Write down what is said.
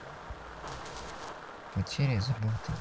потеря заботой